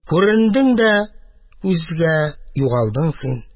Күрендең дә күзгә, югалдың син